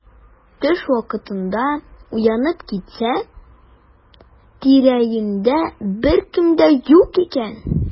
Төш вакытында уянып китсә, тирә-юньдә беркем дә юк икән.